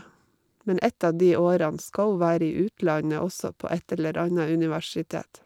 Men ett av de årene skal hun være i utlandet også, på et eller anna universitet.